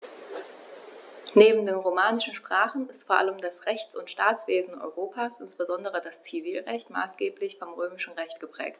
Neben den romanischen Sprachen ist vor allem das Rechts- und Staatswesen Europas, insbesondere das Zivilrecht, maßgeblich vom Römischen Recht geprägt.